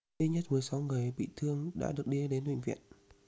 ít nhất mười sáu người bị thương đã được đưa đến bệnh viện